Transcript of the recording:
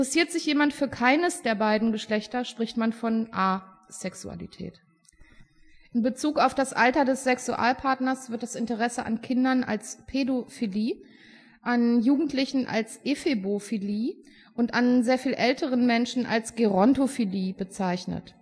sich jemand für keines der beiden Geschlechter, spricht man von Asexualität. In Bezug auf das Alter des Sexualpartners wird das Interesse an Kindern als Pädophilie, an Jugendlichen als Ephebophilie und an sehr viel älteren Menschen als Gerontophilie bezeichnet